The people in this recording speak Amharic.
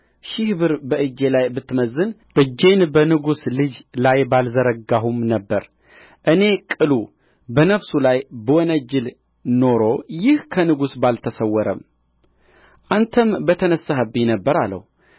ሺህ ብር በእጄ ላይ ብትመዝን እጄን በንጉሡ ልጅ ላይ ባልዘረጋሁም ነበር እኔ ቅሉ በነብሱ ላይ ብወነጅል ኖሮ ይህ ከንጉሥ ባልተሰወረም አንተም በተነሳህብኝ ነበር አለው